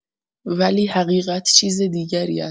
ولی حقیقت چیز دیگری است.